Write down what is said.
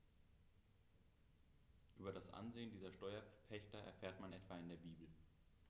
Über das Ansehen dieser Steuerpächter erfährt man etwa in der Bibel.